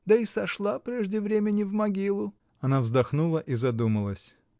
да и сошла прежде времени в могилу! Она вздохнула и задумалась.